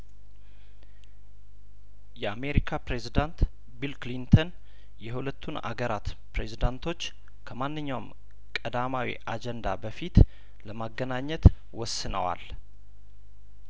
የአሜሪካ ፕሬዝዳንት ቢል ክሊንተን የሁለቱን አገራት ፕሬዝዳንቶች ከማንኛውም ቀዳማዊ አጀንዳ በፊት ለማገናኘት ወስነዋል